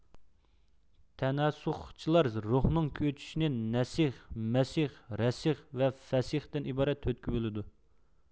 تەناسۇخچىلار روھنىڭ كۆچۈشىنى نەسخ مەسخ رەسخ ۋە فەسختىن ئىبارەت تۆتكە بۆلىدۇ